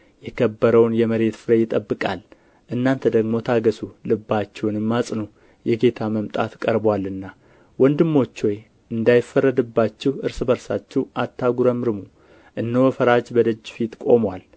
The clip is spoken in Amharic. የከበረውን የመሬት ፍሬ ይጠብቃል እናንተ ደግሞ ታገሡ ልባችሁንም አጽኑ የጌታ መምጣት ቀርቦአልና ወንድሞች ሆይ እንዳይፈረድባችሁ እርስ በርሳችሁ አታጉረምርሙ እነሆ ፈራጅ በደጅ ፊት ቆሞአል